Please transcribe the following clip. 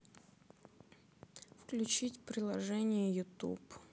включить приложение ютуб